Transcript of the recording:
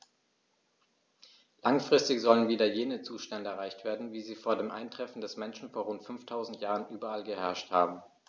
Langfristig sollen wieder jene Zustände erreicht werden, wie sie vor dem Eintreffen des Menschen vor rund 5000 Jahren überall geherrscht haben.